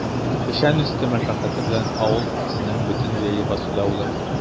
Печән өсте мәшәкате белән авыл кешесенең бөтен җәе басуда уза.